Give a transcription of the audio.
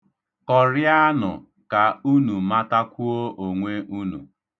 Kọrịanụ ka unu matakwuo onwe unu.